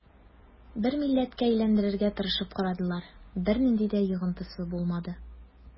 Бер милләткә әйләндерергә тырышып карадылар, бернинди дә йогынтысы булмады.